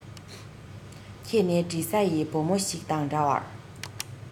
ཁྱེད ནི དྲི ཟ ཡི བུ མོ ཞིག དང འདྲ བར